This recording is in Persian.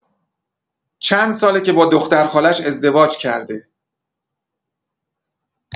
چند ساله که با دختر خالش ازدواج کرده